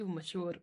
Dwi'm yn siŵr.